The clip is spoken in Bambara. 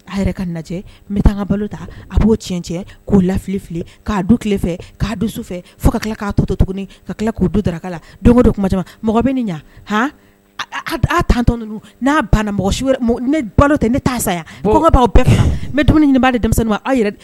Taa ka ta a b' cɛ k'o lafili fili k'a du tile fɛ k'a fɛ fo ka tila k'a to tuguni ka k'u duraka la don kuma mɔgɔ bɛ ni ɲɛ h tan n'a banna mɔgɔ ne balo tɛ ne taa saya b' bɛɛ dumuni nin b' de denmisɛnnin ma aw yɛrɛ